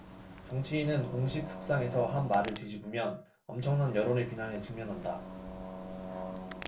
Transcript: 정치인은 공식 석상에서 한 말을 뒤집으면 엄청난 여론의 비난에 직면한다